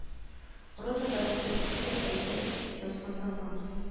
Ротада бөтенесе дә әйбәт дип язган заманов